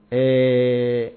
Ɛɛ